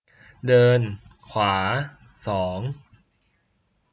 เดินขวาสอง